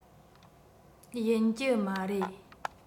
ཡིན གྱི མ རེད